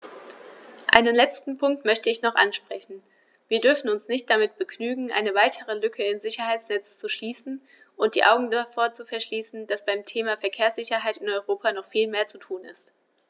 Einen letzten Punkt möchte ich noch ansprechen: Wir dürfen uns nicht damit begnügen, eine weitere Lücke im Sicherheitsnetz zu schließen und die Augen davor zu verschließen, dass beim Thema Verkehrssicherheit in Europa noch viel mehr zu tun ist.